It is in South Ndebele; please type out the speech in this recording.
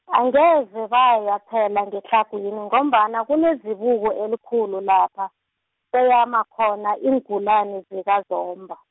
angeze baya phela ngetlhagwini, ngombana kunezibuko elikhulu lapha, kweyama khona iingulani zikaZomba.